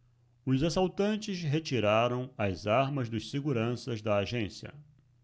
os assaltantes retiraram as armas dos seguranças da agência